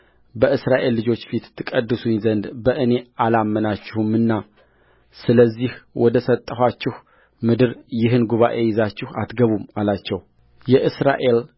በእስራኤል ልጆች ፊት ትቀድሱኝ ዘንድ በእኔ አላመናችሁምና ስለዚህ ወደ ሰጠኋቸው ምድር ይህን ጉባኤ ይዛችሁ አትገቡም አላቸውየእስራኤል